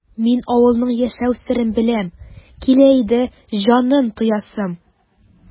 Мин авылның яшәү серен беләм, килә инде җанын тоясым!